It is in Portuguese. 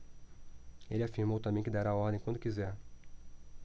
ele afirmou também que dará a ordem quando quiser